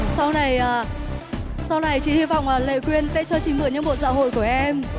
sau này à sau này chị hy vọng là lệ quyên sẽ cho chị mượn những bộ dạ hội của em